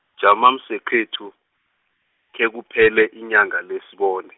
jama mswekhethu, khekuphele inyanga le sibone.